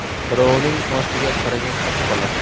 birovning oshiga qaragan och qolar